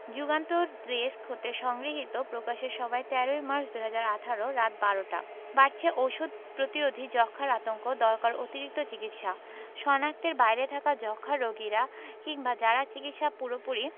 Jugantor desk হতে সংগৃহীত প্রকাশের সময় ১৩ মার্চ ২০১৮ রাত ১২:০০ টা বাড়ছে ওষুধ প্রতিরোধী যক্ষ্মার আতঙ্ক দরকার অতিরিক্ত চিকিৎসা শনাক্তের বাইরে থাকা যক্ষ্মা রোগীরা কিংবা যারা চিকিৎসা পুরোপুরি